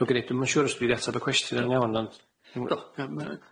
Dwi'n gneud- dwi'm yn siŵr os dwi'n atab y cwestiwn yn iawn ond dwi'n gwel-.